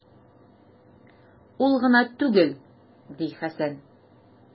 Ул гына түгел, - ди Хәсән.